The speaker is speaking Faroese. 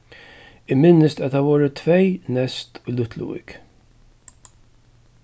eg minnist at tað vóru tvey neyst í lítluvík